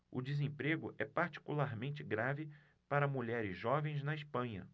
o desemprego é particularmente grave para mulheres jovens na espanha